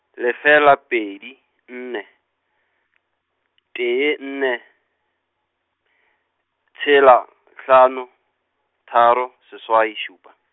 lefela pedi, nne , tee nne , tshela, hlano, tharo, seswai, šupa.